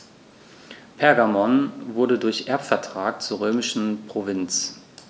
Pergamon wurde durch Erbvertrag zur römischen Provinz.